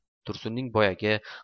tursunning boyagi